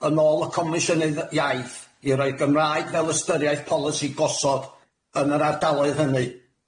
yn ôl y Comisiynydd Iaith i roi'r Gymraeg fel ystyriaeth polisi gosod yn yr ardaloedd hynny.